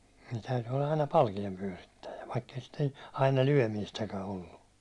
niin täytyi olla aina palkeenpyörittäjä vaikka ei sitten aina lyömistäkään ollut